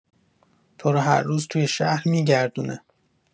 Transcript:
تو رو هر روز توی شهر می‌گردونه.